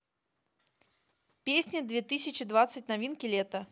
песни две тысячи двадцать новинки лета